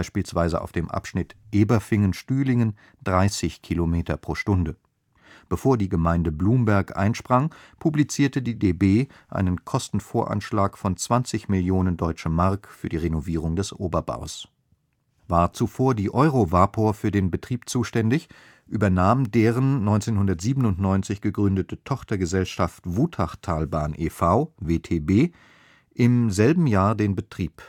beispielsweise auf dem Abschnitt Eberfingen – Stühlingen 30 km/h). Bevor die Gemeinde Blumberg einsprang, publizierte die DB einen Kostenvoranschlag von 20 Millionen Deutsche Mark für die Renovierung des Oberbaus. War zuvor die EUROVAPOR für den Betrieb zuständig, übernahm deren 1997 gegründete Tochtergesellschaft Wutachtalbahn (WTB) e. V. im selben Jahr den Betrieb